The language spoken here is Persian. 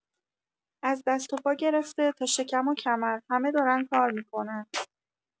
از دست و پا گرفته تا شکم و کمر، همه دارن کار می‌کنن.